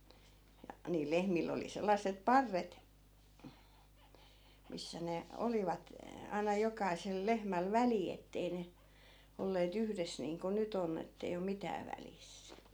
ja niillä lehmillä oli sellaiset parret missä ne olivat aina jokaisella lehmällä väli että ei ne olleet yhdessä niin kuin nyt onni että ei ole mitään välissä